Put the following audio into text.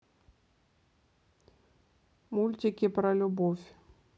мультики про любовь